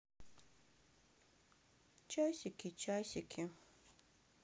часики часики